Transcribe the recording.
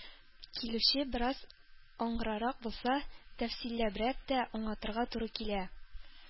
Килүче бераз аңгырарак булса, тәфсилләбрәк тә аңлатырга туры килә.